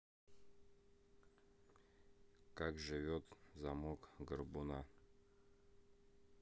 как живет замок горбуна